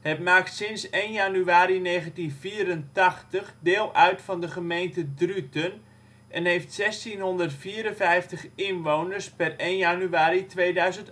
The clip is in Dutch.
Het maakt sinds 1 januari 1984 deel uit van de gemeente Druten en heeft 1.654 inwoners (1 januari 2008